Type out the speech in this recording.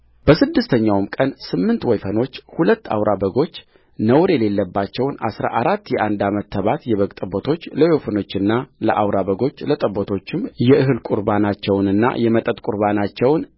በስድስተኛውም ቀን ስምንት ወይፈኖች ሁለት አውራ በጎች ነውር የሌለባቸውን አሥራ አራት የአንድ ዓመት ተባት የበግ ጠቦቶችለወይፈኖቹና ለአውራ በጎቹ ለጠቦቶቹም የእህል ቍርባናቸውንና የመጠጥ ቍርባናቸውን